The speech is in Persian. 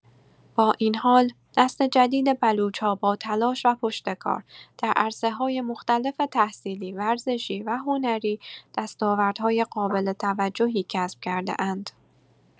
با این حال، نسل جدید بلوچ‌ها با تلاش و پشتکار، در عرصه‌های مختلف تحصیلی، ورزشی و هنری دستاوردهای قابل توجهی کسب کرده‌اند.